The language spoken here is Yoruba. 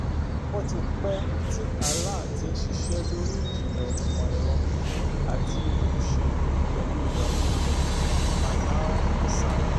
Ó ti pẹ́ tí Alaa ti ń ṣiṣẹ́ lóríi ìjìnlẹ̀ ìmọ̀-ẹ̀rọ àti òṣèlú pẹ̀lú ìyàwóo rẹ̀, Manal Hassan.